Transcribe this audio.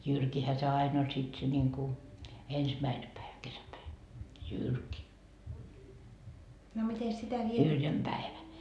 jyrkihän se aina oli sitten se niin kuin ensimmäinen päivä kesäpäivä jyrki yrjönpäivä